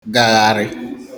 gagharị